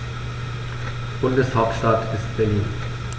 Bundeshauptstadt ist Berlin.